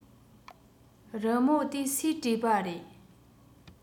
རི མོ དེ སུས བྲིས པ རེད